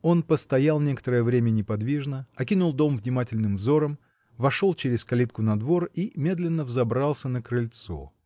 Он постоял некоторое время неподвижно, окинул дом внимательным взором, вошел через калитку на двор и медленно взобрался на крыльцо.